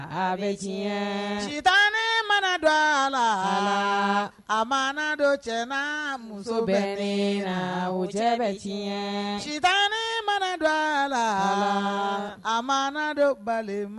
Saba suta mana dɔ a la a ma dɔ cɛ muso bɛ ne la o cɛ bɛ su mana don a la a ma don bali